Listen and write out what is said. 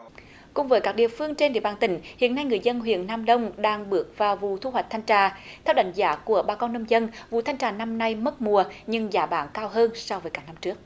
cùng với các địa phương trên địa bàn tỉnh hiện nay người dân huyện nam đông đang bước vào vụ thu hoạch thanh trà theo đánh giá của bà con nông dân vũ thanh trà năm nay mất mùa nhưng giá bán cao hơn so với các năm trước